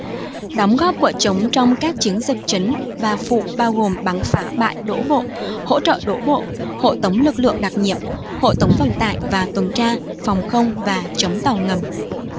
đóng góp của chúng trong các chiến dịch chính và phụ bao gồm bắn phá bãi đổ bộ hỗ trợ đổ bộ hộ tống lực lượng đặc nhiệm hộ tống vận tải và tuần tra phòng không và chống tàu ngầm